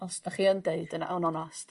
os dach chi yn deud yn yn onast.